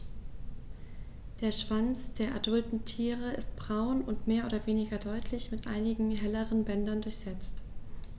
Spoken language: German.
Der Schwanz der adulten Tiere ist braun und mehr oder weniger deutlich mit einigen helleren Bändern durchsetzt.